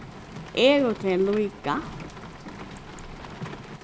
eru tey líka